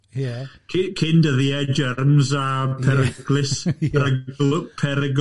Cyn- cyn-dyddie, germs a peryglus perygl- perygl.